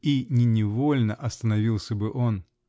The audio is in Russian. и не невольно остановился бы он!